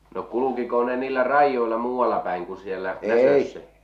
no kulkiko ne niillä raidoilla muualla päin kuin siellä Näsössä